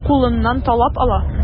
Кулыннан талап ала.